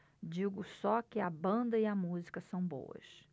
digo só que a banda e a música são boas